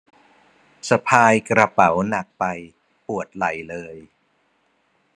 สะพายกระเป๋าหนักไปปวดไหล่เลย